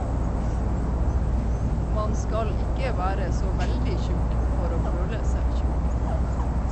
Man skal ikke være så veldig tjukk for å føle seg tjukk.